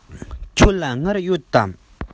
ཁྱོད ལ དངུལ ཡོད དམ